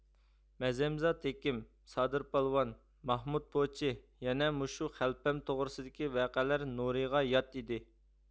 مەزەمزات ھېكىم سادىر پالۋان ماھمۇت پوچى يەنە مۇشۇ خەلپەم توغرىسىدىكى ۋەقەلەر نۇرىغا ياد ئىدى